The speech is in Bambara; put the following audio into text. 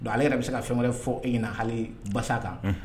Ale yɛrɛ bɛ se ka fɛn wɛrɛ fɔ e ka hali basa kan